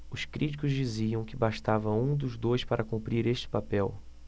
os críticos diziam que bastava um dos dois para cumprir esse papel